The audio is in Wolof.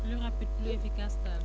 plus rapide plus éfficace daal